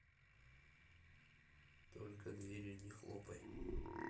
только дверью не хлопай